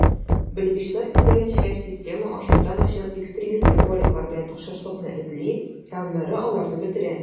Белгечләр сүзләренчә, система ачыктан-ачык экстремистик роликлар белән охшашлыкны эзли, ә аннары аларны бетерә.